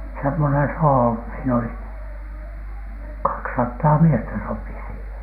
semmoinen soho siinä oli kaksisataa miestä sopi siihen